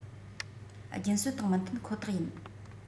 རྒྱུན སྲོལ དང མི མཐུན ཁོ ཐག ཡིན